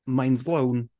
Mind blown